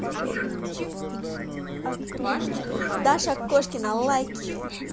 даша кошкина лайки